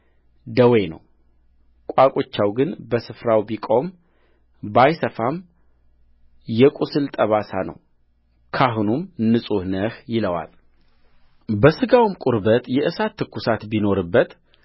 ደዌ ነውቋቁቻው ግን በስፍራው ቢቆም ባይሰፋም የቍስል ጠባሳ ነው ካህኑም ንጹሕ ነው ይለዋልበሥጋውም ቁርበት የእሳት ትኵሳት ቢኖርበት